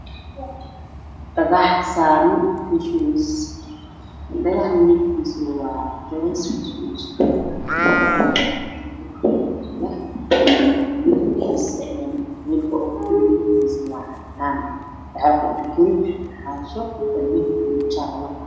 Dhagax saaran miis dushiisa dhagaxa midab kiisu waa madow